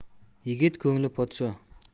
yigit ko'ngli podsho